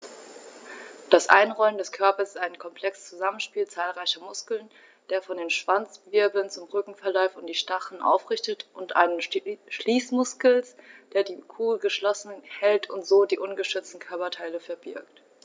Das Einrollen des Körpers ist ein komplexes Zusammenspiel zahlreicher Muskeln, der von den Schwanzwirbeln zum Rücken verläuft und die Stacheln aufrichtet, und eines Schließmuskels, der die Kugel geschlossen hält und so die ungeschützten Körperteile verbirgt.